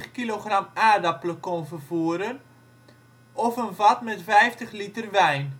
kilogram aardappelen kon vervoeren of een vat met 50 liter wijn